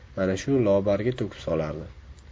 mana shu lobarga to'kib solardi